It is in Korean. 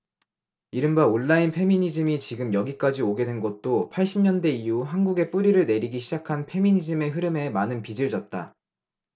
이른바 온라인 페미니즘이 지금 여기까지 오게 된 것도 팔십 년대 이후 한국에 뿌리를 내리기 시작한 페미니즘의 흐름에 많은 빚을 졌다